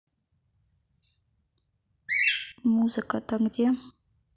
музыка то где